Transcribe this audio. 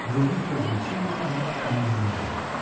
других развлечений он не знал.